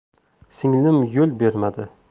singlim yo'l bermadi